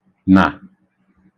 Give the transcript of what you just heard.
nà